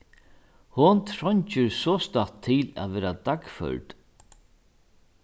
hon treingir sostatt til at verða dagførd